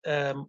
yym